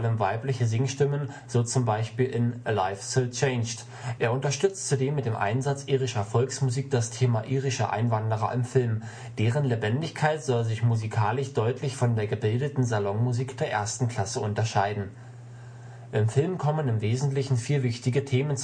weibliche Singstimmen, so zum Beispiel in „ A Life So Changed “. Er unterstützt zudem mit dem Einsatz irischer Volksmusik das Thema irischer Einwanderer im Film. Deren Lebendigkeit soll sich musikalisch deutlich von der „ gebildeten Salonmusik der 1. Klasse unterscheiden “. Im Film kommen im Wesentlichen vier wichtige Themen